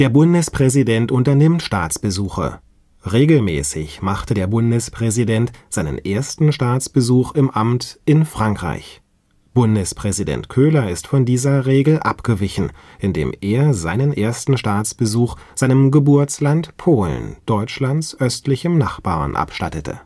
Bundespräsident unternimmt Staatsbesuche. Regelmäßig machte der Bundespräsident seinen ersten Staatsbesuch im Amt in Frankreich. Bundespräsident Köhler ist von dieser Regel abgewichen, indem er seinen ersten Staatsbesuch seinem Geburtsland Polen, Deutschlands östlichem Nachbarn, abstattete